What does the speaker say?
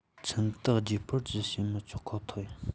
ཁྱིམ བདག བརྗེ སྤོར གྱི བྱེད མི ཆོག ཁོ ཐག ཡིན